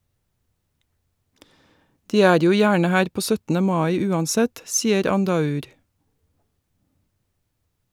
De er jo gjerne her på 17. mai uansett, sier Andaur.